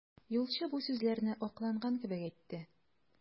Юлчы бу сүзләрне акланган кебек әйтте.